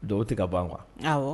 Dɔw tɛ ka ban kan